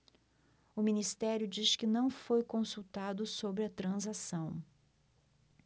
o ministério diz que não foi consultado sobre a transação